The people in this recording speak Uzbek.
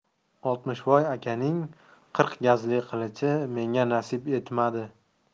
oltmishvoy akaning qirq gazli qilichi menga nasib etmadi